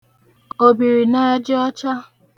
òbìrìnaẹjaọcha